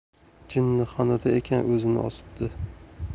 jinnixonada ekan o'zini osibdi